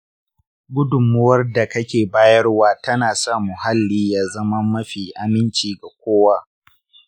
gudunmawar da kake bayarwa tana sa muhallin ya zama mafi aminci ga kowa.